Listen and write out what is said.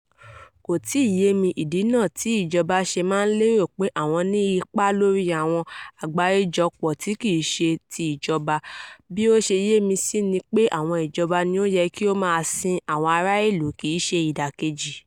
Kò tíì yé mi ìdí náà tí ìjọba ṣe máa ń lérò pé àwọ́n ní ipá lórí àwọn àgbáríjọpọ̀ tí kìí ṣe ti ìjọba, bó ṣe yé mi sí ni pé awọn ìjọba ni ó yẹ kí ó máa sin àwọn ará ilú kìí ṣe ìdàkejì.